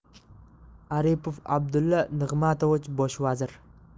aripov abdulla nig'matovich bosh vazir